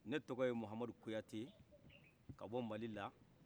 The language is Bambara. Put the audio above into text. ne tɔgɔye muhamadu kuyate kabɔ malila